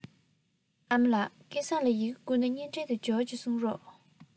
ཨ མ ལགས སྐལ བཟང ལ ཡི གེ བསྐུར ན བརྙན འཕྲིན དེ འབྱོར འདུག གསུངས རོགས